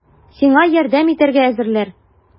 Сиңа ярдәм итәргә әзерләр!